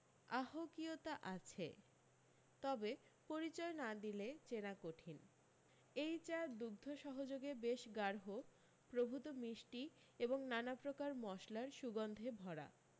আহণ্কীয়তা আছে তবে পরিচয় না দিলে চেনা কঠিন এ চা দুগ্ধ সহযোগে বেশ গাড়হ প্রভূত মিষ্টি এবং নানাপ্রকার মশলার সুগন্ধে ভরা